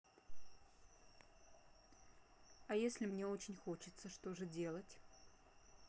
а если мне очень хочется что же делать